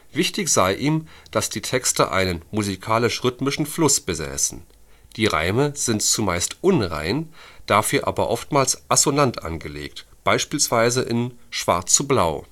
Wichtig sei ihm, dass die Texte einen „ musikalisch-rhythmischen Fluss “besäßen. Die Reime sind zumeist unrein, dafür aber oftmals assonant angelegt, beispielsweise in Schwarz zu blau